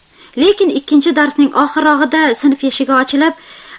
lekin ikkinchi darsning oxirrog'ida sinf eshigi ochilib